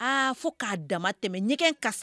A fo k'a dama tɛmɛ ɲɛgɛn ka